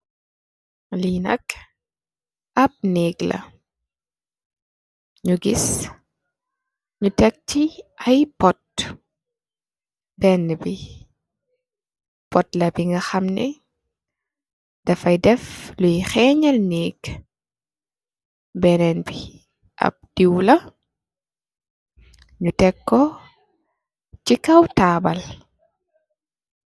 Lii nak ab nëëk la, ñu gis ñu tek si ay pot. Béénë bi, pot la bi nga xam ne, da fay def liy xeeñal nëëk. Bénén bi, ab diiw la, ñu tek ko ci kow taabul.